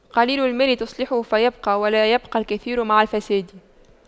قليل المال تصلحه فيبقى ولا يبقى الكثير مع الفساد